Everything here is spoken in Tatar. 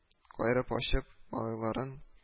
Каерып ачып, малайларын